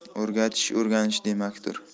o'rgatish o'rganish demakdir